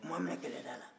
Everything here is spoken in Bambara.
u ma minɛ kɛlɛda la